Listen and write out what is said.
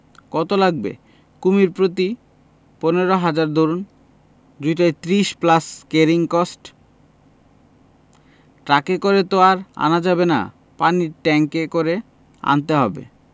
কত লাগবে কুমীর প্রতি পনেরো হাজার ধরুন দুটায় ত্রিশ প্লাস ক্যারিং কস্ট ট্রাকে করে তো আর আনা যাবে না পানির ট্যাংকে করে আনতে হবে